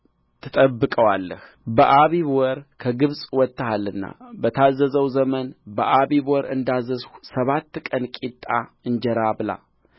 ትጠብቀዋለህ በአቢብ ወር ከግብፅ ወጥተሃልና በታዘዘው ዘመን በአቢብ ወር እንዳዘዝሁህ ሰባት ቀን ቂጣ እንጀራ ብላ